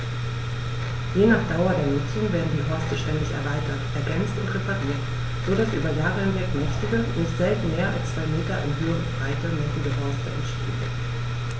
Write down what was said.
Je nach Dauer der Nutzung werden die Horste ständig erweitert, ergänzt und repariert, so dass über Jahre hinweg mächtige, nicht selten mehr als zwei Meter in Höhe und Breite messende Horste entstehen.